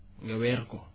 nga weer ko